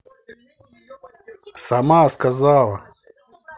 сама сказала